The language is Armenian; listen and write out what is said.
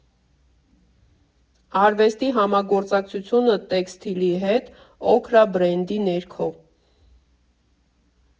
Արվեստի համագործակցությունը տեքստիլի հետ «Օքրա» բրենդի ներքո։